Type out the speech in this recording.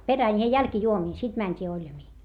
perään ja jälkijuomiin sitten mentiin oljamiin